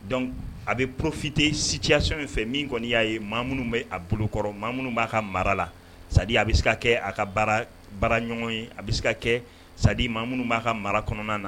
Donc a bɛ profiter situation in fɛ min kɔni y'a ye maa minnu bɛ a bolokɔrɔ, maa minnu b'a ka mara la c'est à dire a bɛ se ka kɛ a ka baara, baara ɲɔgɔn ye c'est à dire maa minnu bɛ a ka mara kɔnɔ na